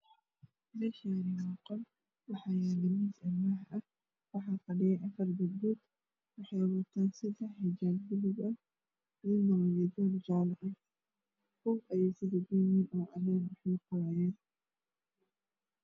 Meeshaan waa qol waxaa yaalo miis alwaax ah afar gabdhood waxay wataan seddex xijaab buluug ah midna xijaab jaale ah. Buug ayay wax kuqorahayaan.